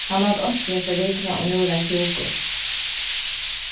hann át einki hesa vikuna og nú er hann sjúkur